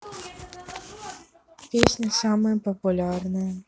песни самые популярные